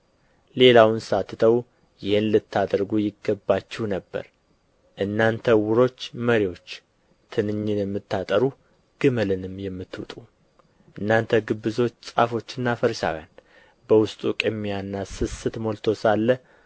ሌላውን ሳትተዉ ይህን ልታደርጉ ይገባችሁ ነበር እናንተ ዕውሮች መሪዎች ትንኝን የምታጠሩ ግመልንም የምትውጡ እናንተ ግብዞች ጻፎችና ፈሪሳውያን በውስጡ ቅሚያና ስስት ሞልቶ ሳለ